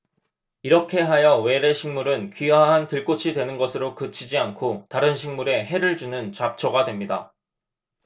이렇게 하여 외래 식물은 귀화한 들꽃이 되는 것으로 그치지 않고 다른 식물에 해를 주는 잡초가 됩니다